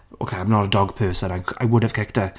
OK, I'm not a dog person, I would have kicked her.